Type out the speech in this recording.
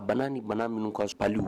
Bana ni bana minnu ka surun palu